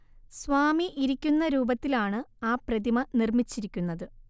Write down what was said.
സ്വാമി ഇരിക്കുന്ന രൂപത്തിൽ ആണ് ആ പ്രതിമ നിർമ്മിച്ചിരിക്കുന്നത്